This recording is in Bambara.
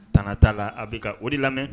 Tana Tala a bɛ ka o de lamɛ